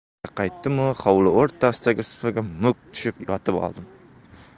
uyga qaytdimu hovli o'rtasidagi supaga muk tushib yotib oldim